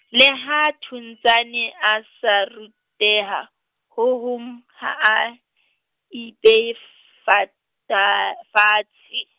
le ha Thuntshane a sa ruteha, ho hang ha a, I peye f- fata-, fatse.